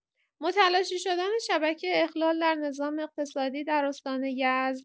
متلاشی‌شدن شبکه اخلال در نظام اقتصادی در استان یزد.